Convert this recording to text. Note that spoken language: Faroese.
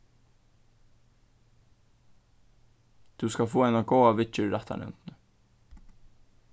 tú skal fáa eina góða viðgerð í rættarnevndini